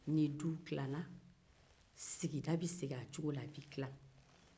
ni duw dilala sigida bɛ segin a cogo la